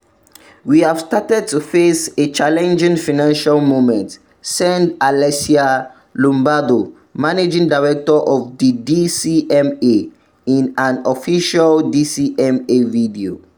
We [have started] to face a very challenging financial moment, said Alessia Lombardo, managing director of the DCMA, in an official DCMA video.